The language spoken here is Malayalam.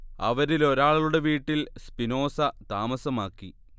അവരിലൊരാളുടെ വീട്ടിൽ സ്പിനോസ താമസമാക്കി